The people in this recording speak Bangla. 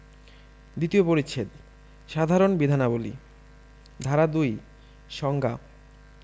দ্বিতীয় পরিচ্ছেদ সাধারণ বিধানাবলী ধারা ২ সংজ্ঞা